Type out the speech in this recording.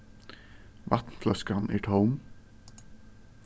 vatnfløskan er tóm